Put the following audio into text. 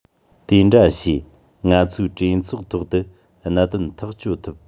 དེ འདྲ བྱས ང ཚོའི གྲོས ཚོགས ཐོག ཏུ གནད དོན ཐག གཅོད ཐུབ